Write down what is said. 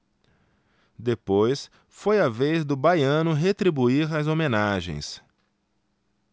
depois foi a vez do baiano retribuir as homenagens